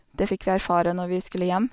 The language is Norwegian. Det fikk vi erfare når vi skulle hjem.